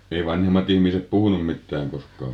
ei vanhemmat ihmiset puhunut mitään koskaan